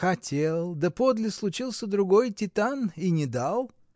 — Хотел, да подле случился другой титан — и не дал!